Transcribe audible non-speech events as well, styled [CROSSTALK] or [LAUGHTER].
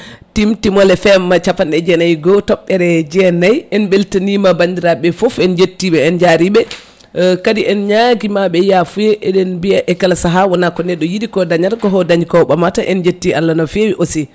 Timtimol FM capanɗe jeenayyi e goho toɓɓere jeenayyi en beltanima bandiraɓe foof en jettiɓe en jariɓe [HESITATION] kadi en ñaguimaɓe yafuya eɗen mbiya e kala saaha wona ko neɗɗo yiiɗi ko dañata koko dañiko o ɓamata en jetti Allah no fewi aussi